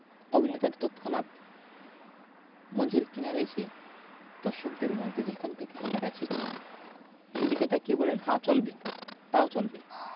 অভিনেতাটি তৎক্ষনাত মঞ্চের কিনারে এসে দর্শকদের মধ্যে যেখান থেকে কথাটা এসেছে সেদিকে তাকিয়ে বললেন হা চলবে তাও চলবে